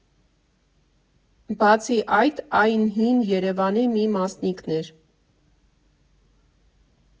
Բացի այդ, այն հին Երևանի մի մասնիկն էր։